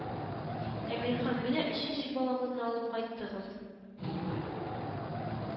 Әмирхан, менә өченче балагызны алып кайттыгыз